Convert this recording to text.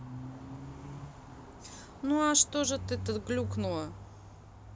ну а что же ты то глюкнула